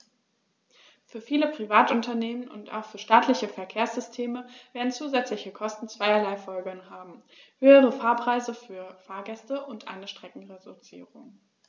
Für viele Privatunternehmen und auch für staatliche Verkehrssysteme werden zusätzliche Kosten zweierlei Folgen haben: höhere Fahrpreise für Fahrgäste und eine Streckenreduzierung.